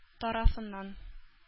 Тарафыннан